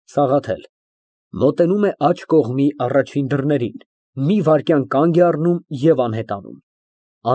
ՍԱՂԱԹԵԼ ֊ (Մոտենում է աջ կողմի առաջին դռներին, մի վայրկյան կանգ է առնում և անհետանում)։